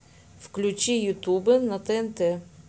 включи ютубе на тнт